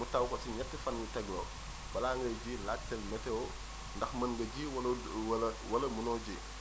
mu taw ko si ñetti fan yu tegloo balaa ngay ji laajteel météo ndax mën nga ji wala wala wala mënoo ji